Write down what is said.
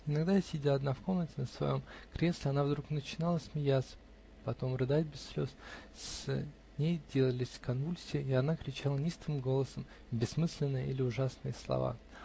Иногда, сидя одна в комнате, на своем кресле, она вдруг начинала смеяться, потом рыдать без слез, с ней делались конвульсии, и она кричала неистовым голосом бессмысленные или ужасные слова.